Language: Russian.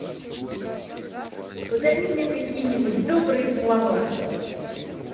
подари мне какие нибудь добрые слова